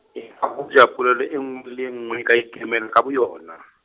e hoja polelo e nngwe le e nngwe, ka e ikemel- ka boyona.